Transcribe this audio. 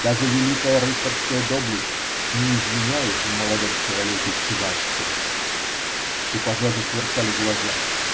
Даже великая рыцарская доблесть не извиняет в молодом человеке чванства. У пажа засверкали глаза.